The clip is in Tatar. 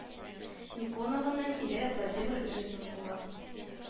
Никонованың ире Владимир Житлов була